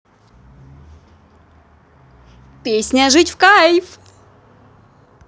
песня жить в кайф